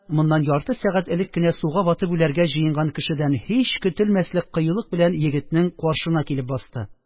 Моннан ярты сәгать элек кенә суга батып үләргә җыенган кешедән һич көтелмәслек кыюлык белән егетнең каршына килеп басты